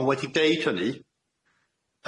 On' wedi deud hynny,